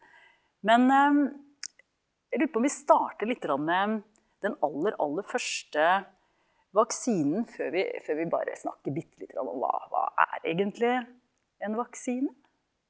men jeg lurer på om vi starter lite grann med den aller aller første vaksinen, før vi før vi bare snakker bitte lite grann om hva hva er egentlig en vaksine?